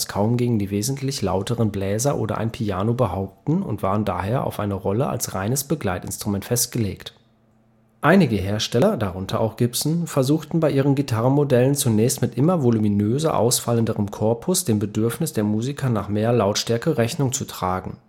kaum gegen die wesentlich lauteren Bläser oder ein Piano behaupten und waren daher auf eine Rolle als reines Begleitinstrument festgelegt. Einige Hersteller, darunter auch Gibson, versuchten bei ihren Gitarrenmodellen zunächst mit immer voluminöser ausfallendem Korpus dem Bedürfnis der Musiker nach mehr Lautstärke Rechnung zu tragen